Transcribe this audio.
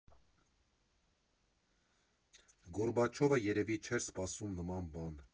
Գորբաչովը երևի չէր սպասում նման բան։